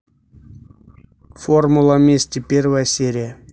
формула мести первая серия